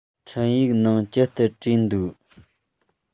འཕྲིན ཡིག ནང ཅི ལྟར བྲིས འདུག